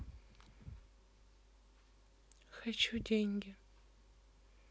хочу деньги